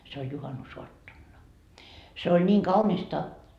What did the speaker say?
se oli se oli juhannusaattona se oli niin kaunista